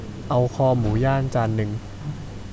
เอาคอหมูย่างจานหนึ่ง